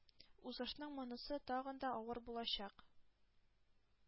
Узышның монысы тагын да авыр булачак,